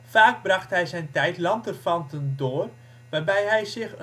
Vaak bracht hij zijn tijd lanterfantend door waarbij hij zich